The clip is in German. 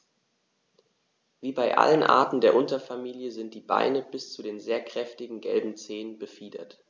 Wie bei allen Arten der Unterfamilie sind die Beine bis zu den sehr kräftigen gelben Zehen befiedert.